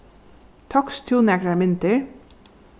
tókst tú nakrar myndir